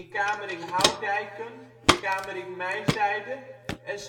Kamerik-Houtdijken, Kamerik-Mijzijde en